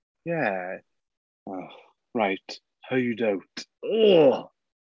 Yeah. Right hideout, oh!